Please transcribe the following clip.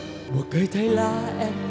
mùa cây thay lá em